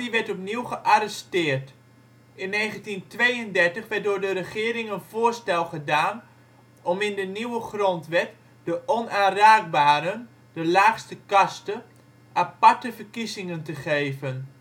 werd opnieuw gearresteerd. In 1932 werd door de regering een voorstel gedaan om in de nieuwe grondwet de Onaanraakbaren (laagste kaste) aparte verkiezingen te geven